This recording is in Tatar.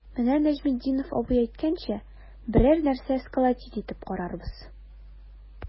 Менә Нәҗметдинов абый әйткәнчә, берәр нәрсә сколотить итеп карарбыз.